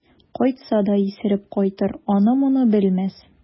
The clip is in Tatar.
Кайтса да исереп кайтыр, аны-моны белмәс.